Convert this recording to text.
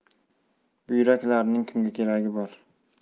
buyraklarning kimga keragi bor